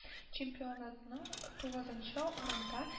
Чемпионатның тугызынчы урында